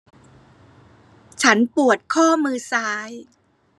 ฉันปวดข้อมือซ้าย